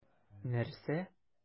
Нәрсә?!